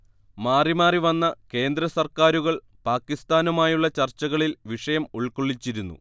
മാറിമാറി വന്ന കേന്ദ്രസർക്കാരുകൾ പാകിസ്താനുമായുള്ള ചർച്ചകളിൽ വിഷയം ഉൾക്കൊള്ളിച്ചിരുന്നു